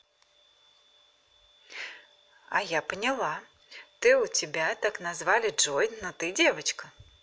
а я поняла ты у тебя так назвали джой ну ты девочка